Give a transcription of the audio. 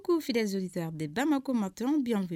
U k'u feere zo ta u bila ba ma ko ma tw bɛ yan fɛ